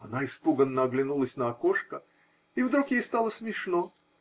Она испуганно оглянулась на окошко, и вдруг ей стало смешно.